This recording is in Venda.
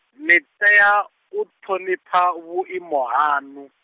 ni tea, u ṱhonifha vhuimo haṋu.